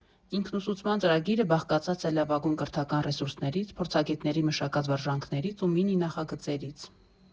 Ինքնուսուցման ծրագիրը բաղկացած է լավագույն կրթական ռեսուրսներից, փորձագետների մշակած վարժանքներից ու մինի֊նախագծերից.